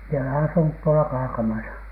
minä olen asunut tuolla Kaakamassa